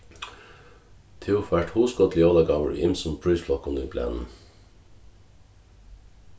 tú fært hugskot til jólagávur í ymiskum prísflokkum í blaðnum